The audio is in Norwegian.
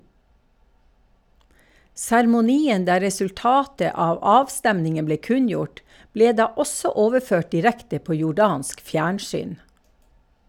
Seremonien der resultatet av avstemningen ble kunngjort, ble da også overført direkte på jordansk fjernsyn.